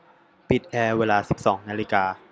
ปิดแอร์เวลาสิบสองนาฬิกา